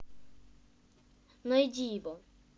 найди его